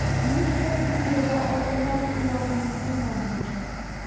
Нишләп бу турыда алданрак уйлаганым булмады икән?